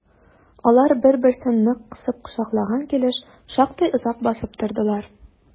Алар бер-берсен нык кысып кочаклаган килеш шактый озак басып тордылар.